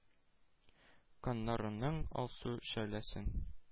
Каннарының алсу шәүләсен...